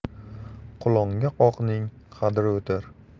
qulonga qoqning qadri o'tar